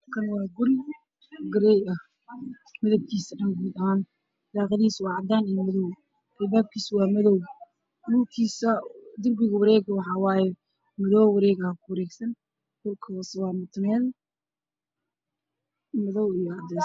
Kani waa guri garee ah daaqadihiisu waa cadaan iyo madow, albaabkuna waa madow, darbiga waa wareeg madow ah, dhulkana waa mutuleel madow iyo cadeys ah.